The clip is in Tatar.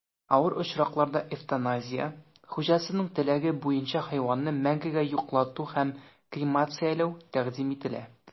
Авыр очракларда эвтаназия (хуҗасының теләге буенча хайванны мәңгегә йоклату һәм кремацияләү) тәкъдим ителә.